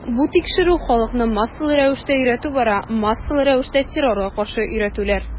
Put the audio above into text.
Бу тикшерү, халыкны массалы рәвештә өйрәтү бара, массалы рәвештә террорга каршы өйрәтүләр.